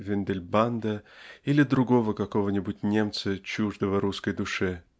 Виндельбанда или другого какого-нибудь немца чуждого русской душе.